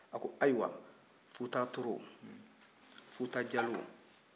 a ko ayiwa futa toro futa jalɔn